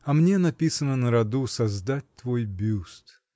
А мне написано на роду создать твой бюст.